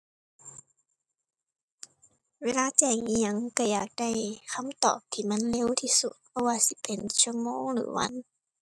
เวลาแจ้งอิหยังก็อยากได้ คำตอบที่มันเร็วที่สุด บ่ว่าสิเป็นชั่วโมงหรือวัน